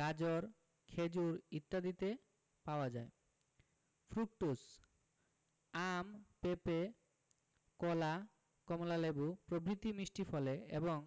গাজর খেজুর ইত্যাদিতে পাওয়া যায় ফ্রুকটোজ আম পেপে কলা কমলালেবু প্রভৃতি মিষ্টি ফলে এবং